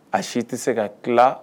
A si tɛ se ka tila